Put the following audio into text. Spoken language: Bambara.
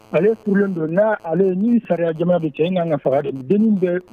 Ale ye kurulen don n' ale ni sagaja bɛ cɛ kan ka faga den bɛ